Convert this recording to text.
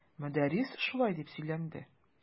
Мөдәррис шулай дип сөйләнде.